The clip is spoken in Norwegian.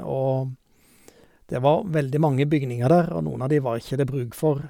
Og det var veldig mange bygninger der, og noen av de var ikke det bruk for.